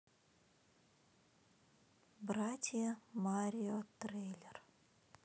братья марио трейлер